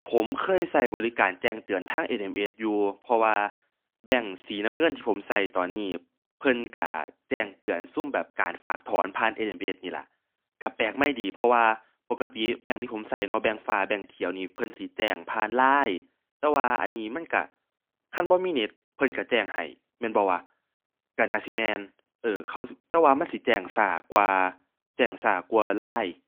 ผมเคยใช้บริการแจ้งเตือนทาง SMS อยู่ เพราะว่า แบงก์สีน้ำเงินที่ผมใช้ตอนนี้ เพิ่นใช้ แจ้งเตือนซุมแบบการฝากถอนผ่าน SMS นี้ล่ะ ใช้แปลกใหม่ดี เพราะว่า ปกติแบงก์ที่ผมใช้เนาะ แบงก์ฟ้าแบงก์เขียวนี้ เพิ่นสิแจ้งผ่าน LINE แต่ว่าอันนี้มันใช้ คันบ่มีเน็ต เพิ่นใช้แจ้งให้ แม่นบ่วะ ใช้น่าสิแม่น เอ้อ เขา แต่ว่ามันสิแจ้งใช้กว่า แจ้งใช้กว่า LINE